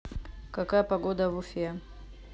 какая погода в уфе